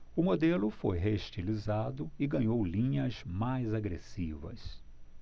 o modelo foi reestilizado e ganhou linhas mais agressivas